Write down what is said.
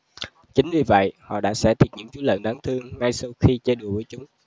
chính vì vậy họ đã xẻ thịt những chú lợn đáng thương ngay sau khi chơi đùa với chúng